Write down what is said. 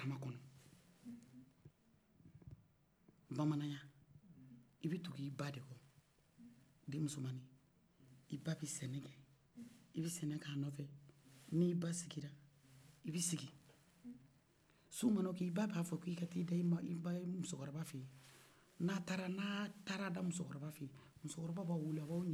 i bɛ tugu i ba de kɔ den muso mani i ba bɛ sɛnɛkɛ i bɛ sɛnɛ k'a nɔfɛ n'i ba sigila i bɛ sigi a nɔfɔ su mana ko i ba b'a fɔ k'i ka ta i mɔmuso feyi n'a taara n'a taara da musokɔrɔba b'a feyi musokɔrɔba b'aw wele a bɛ aw ɲinika